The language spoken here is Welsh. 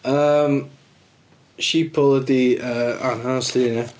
Yym sheeple ydy yy... hang on wna i ddangos llun ia.